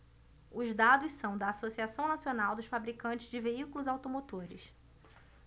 os dados são da anfavea associação nacional dos fabricantes de veículos automotores